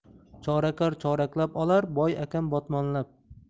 chorakor choraklab olar boy akam botmonlab